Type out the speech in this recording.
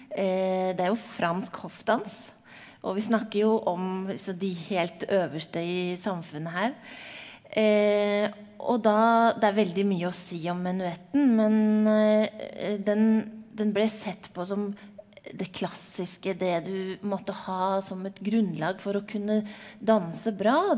det er jo fransk hoffdans, og vi snakker jo om altså de helt øverste i samfunnet her, og da det er veldig mye å si om menuetten, men den den ble sett på som det klassiske, det du måtte ha som et grunnlag for å kunne danse bra.